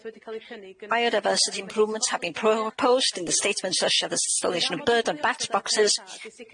improvements have been pr- proposed in the statement such as the installation of bird and bat boxes.